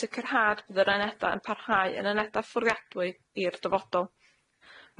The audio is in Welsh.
sicrhad bydd yr aneda yn parhau yn aneda fforiadwy i'r dyfodol.